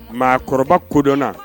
Mɔgɔkɔrɔba kodɔnna